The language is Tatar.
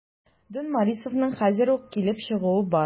Дон Морисионың хәзер үк килеп чыгуы бар.